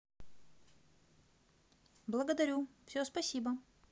благодарю все спасибо